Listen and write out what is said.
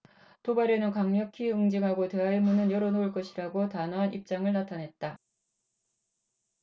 도발에는 강력히 응징하고 대화의 문은 열어 놓을 것이라고 단호한 입장을 나타냈다